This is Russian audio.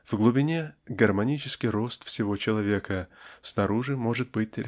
в глубине--гармонический рост всего человека снаружи может быть